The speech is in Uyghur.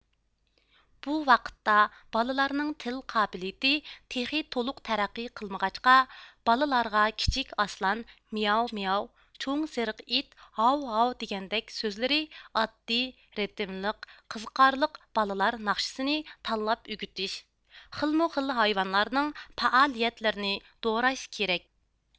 بۇ ۋاقىتتا بالىلارنىڭ تىل قابىلىيىتى تېخى تولۇق تەرەققىي قىلمىغاچقا بالىلارغا كىچىك ئاسلان مىياۋ مىياۋ چوڭ سېرىق ئىت ھاۋ ھاۋ دېگەندەك سۆزلىرى ئاددىي رىتىملىق قىزىقارلىق بالىلار ناخشىسىنى تاللاپ ئۆگىتىش خىلمۇخىل ھايۋانلارنىڭ پائالىيەتلىرىنى دوراش كېرەك